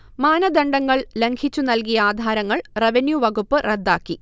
മാനദണ്ഡങ്ങൾ ലംഘിച്ചു നൽകിയ ആധാരങ്ങൾ റവന്യൂ വകുപ്പ് റദ്ദാക്കി